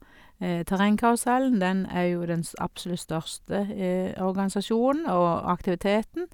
Terrengkarusellen, den er jo den s absolutt største organisasjonen og aktiviteten.